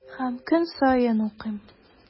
Һәм көн саен укыйм.